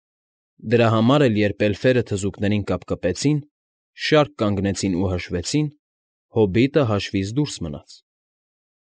Դրա համար էլ, երբ էլֆերը թզուկներին կապկպեցին, շարք կանգնեցրին ու հաշվեցին, հոբիտը հաշվից դուրս մնաց։